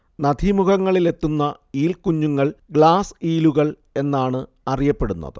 നദീമുഖങ്ങളിലെത്തുന്ന ഈൽക്കുഞ്ഞുങ്ങൾ ഗ്ലാസ് ഈലുകൾ എന്നാണ് അറിയപ്പെടുന്നത്